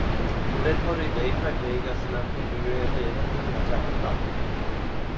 올해 터를 매입할 계획이었으나 군의회에서 예산 승인이 나지 않았다